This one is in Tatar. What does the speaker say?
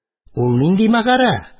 Ул нинди мәгарә?